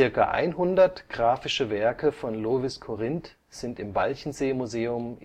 Ca. 100 graphische Werke von Lovis Corinth sind im Walchensee-Museum